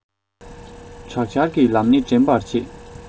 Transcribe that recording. དྲག ཆར གྱི ལམ སྣེ འདྲེན པར བྱེད